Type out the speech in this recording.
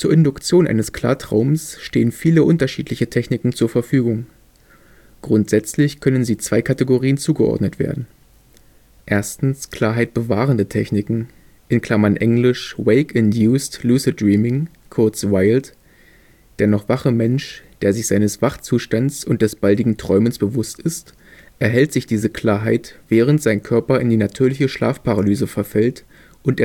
Induktion eines Klartraums stehen viele unterschiedliche Techniken zur Verfügung. Grundsätzlich können sie zwei Kategorien zugeordnet werden: Klarheit bewahrende Techniken (engl. wake induced lucid dreaming, kurz WILD): Der noch wache Mensch, der sich seines Wachzustands und des baldigen Träumens bewußt ist, erhält sich diese Klarheit während sein Körper in die natürliche Schlafparalyse verfällt und